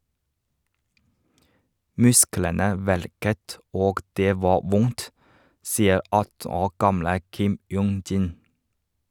Musklene verket og det var vondt, sier 18 år gamle Kim Myung-jin.